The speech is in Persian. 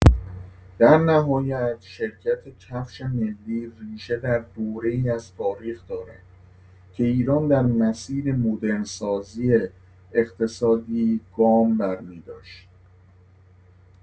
در نهایت، شرکت کفش ملی ریشه در دوره‌ای از تاریخ دارد که ایران در مسیر مدرن‌سازی اقتصادی گام برمی‌داشت.